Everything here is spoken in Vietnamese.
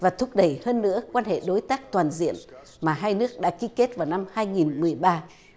và thúc đẩy hơn nữa quan hệ đối tác toàn diện mà hai nước đã ký kết vào năm hai nghìn mười ba